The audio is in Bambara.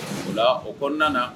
Ola o kɔnɔna.